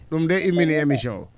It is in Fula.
?um dee immini emission oo